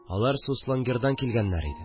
Алар Суслонгердан килгәннәр иде